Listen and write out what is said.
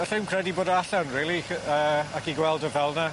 Allai'm credu bod o allan rili c- yy ac i gweld o fel 'na.